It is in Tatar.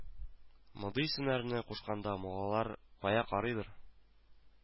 Мондый исемнәрне кушканда муллалар кая карыйдыр